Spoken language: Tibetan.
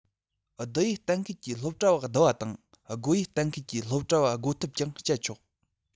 བསྡུ ཡུལ གཏན ཁེལ གྱིས སློབ གྲྭ བ བསྡུ བ དང བགོ ཡུལ གཏན ཁེལ གྱིས སློབ གྲྭ བ བགོ ཐབས ཀྱང སྤྱད ཆོག